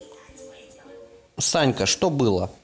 санька что было